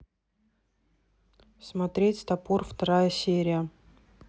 смотреть топор вторая серия